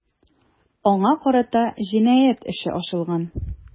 Аңа карата җинаять эше ачылган.